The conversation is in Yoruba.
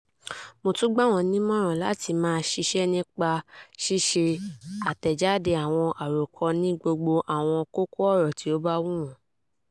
Mo tún gbà wọ́n nímọ̀ràn láti máa ṣiṣẹ́ nípa ṣíṣe àtẹ̀jáde àwọn àròkọ ní gbogbo àwọn kókó ọ̀rọ̀ tí ó bá wù wọ́n.